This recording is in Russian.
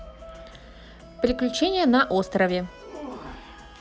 приключения на острове